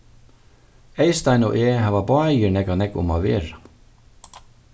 eyðstein og eg hava báðir nakað nógv um at vera